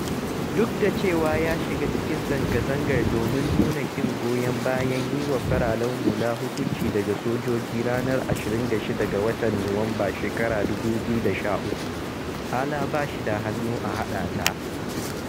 Duk da cewa ya shiga cikin zanga-zanga domin nuna ƙin goyon bayan yi wa fararen hula hukunci daga sojoji ranar 26 ga Nuwamban 2013, Alaa ba shi da hannu a haɗa ta.